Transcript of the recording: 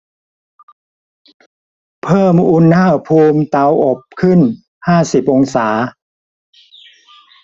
เพิ่มอุณหภูมิเตาอบขึ้นห้าสิบองศา